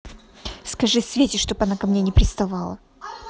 скажи свете чтобы она ко мне не приставала